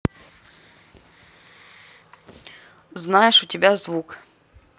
знаешь у тебя звук